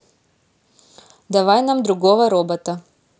давай нам другого робота